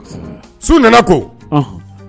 Su nana ko